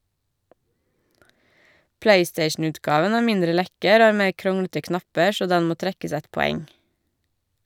Playstationutgaven er mindre lekker og har mer kronglete knapper, så den må trekkes ett poeng.